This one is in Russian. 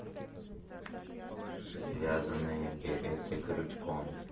вязаные береты крючком